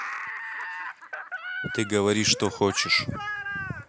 ты говори что хочешь